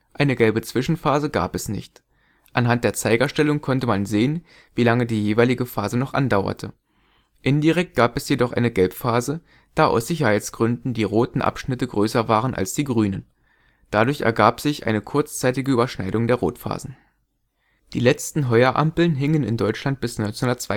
Eine gelbe Zwischenphase gab es nicht. Anhand der Zeigerstellung konnte man sehen, wie lange die jeweilige Phase noch andauerte. Indirekt gab es jedoch eine Gelbphase, da aus Sicherheitsgründen die roten Abschnitte größer waren als die grünen. Dadurch ergab sich eine kurzzeitige Überschneidung der Rotphasen. Die letzten Heuerampeln hingen in Deutschland bis 1972